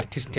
artirte